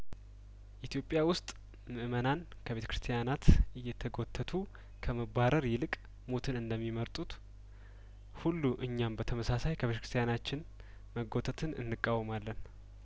ኢትዮጵያ ውስጥ ምእመናን ከቤተ ክርስቲያናት እየተጐተቱ ከመባረር ይልቅ ሞትን እንደሚመርጡት ሁሉ እኛም በተመሳሳይከቤተ ክርስቲያናችን መጐተትን እንቃወማለን